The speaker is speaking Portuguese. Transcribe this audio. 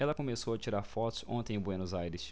ela começou a tirar fotos ontem em buenos aires